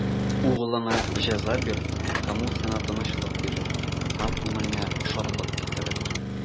Углыңа җәза бир, һәм ул сиңа тынычлык бирер, һәм күңелеңә шатлык китерер.